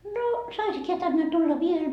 no saisiko hän tänne tulla vielä